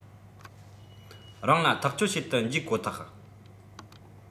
རང ལ ཐག གཅོད བྱེད དུ འཇུག ཀོ ཐག